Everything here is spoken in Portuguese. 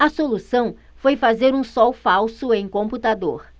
a solução foi fazer um sol falso em computador